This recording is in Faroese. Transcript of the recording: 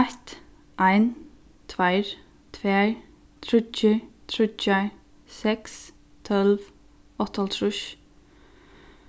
eitt ein tveir tvær tríggir tríggjar seks tólv áttaoghálvtrýss